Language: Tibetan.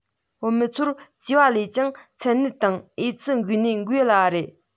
བུད མེད ཚོར སྐྱེས པ ལས ཀྱང མཚན ནད དང ཨེ ཙི འགོས ནད འགོས སླ བ རེད